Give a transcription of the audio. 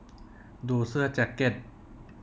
ดูเสื้อแจ็คเก็ต